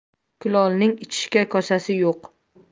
kulolning ichishga kosasi yo'q